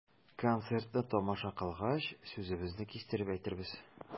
Концертны тамаша кылгач, сүзебезне кистереп әйтербез.